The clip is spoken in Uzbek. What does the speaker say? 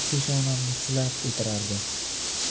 peshonamni silab o'tirardi